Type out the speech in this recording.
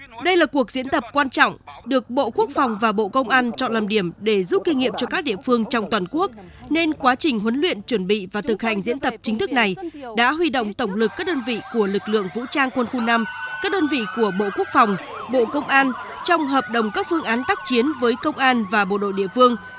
đây là cuộc diễn tập quan trọng được bộ quốc phòng và bộ công an chọn làm điểm để rút kinh nghiệm cho các địa phương trong toàn quốc nên quá trình huấn luyện chuẩn bị và thực hành diễn tập chính thức này đã huy động tổng lực các đơn vị của lực lượng vũ trang quân khu năm các đơn vị của bộ quốc phòng bộ công an trong hợp đồng các phương án tác chiến với công an và bộ đội địa phương